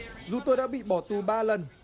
dù tôi đã bị bỏ tù ba lần